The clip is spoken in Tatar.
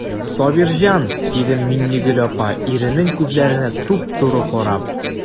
Сабирҗан,– диде Миннегөл апа, иренең күзләренә туп-туры карап.